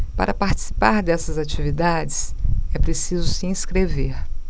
para participar dessas atividades é preciso se inscrever